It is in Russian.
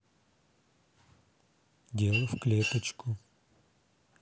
дело в клеточку